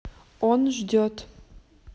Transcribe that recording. он ждет